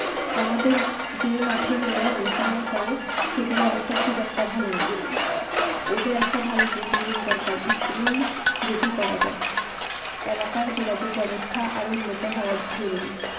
আমাদের যে মাঠে মেয়েরা অনুশীলন করে সেটির অবস্থা খুব একটা ভালো নয় ওদের একটা ভালো ড্রেসিংরুম দরকার স্কুলেই যেটি করা যায় এলাকার যোগাযোগব্যবস্থা আরও উন্নত হওয়া জরুরি